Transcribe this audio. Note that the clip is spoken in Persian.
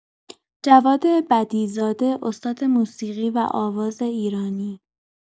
جواد بدیع زاده استاد موسیقی و آواز ایرانی